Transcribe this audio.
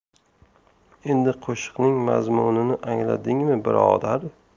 endi qo'shiqning mazmunini angladingmi birodar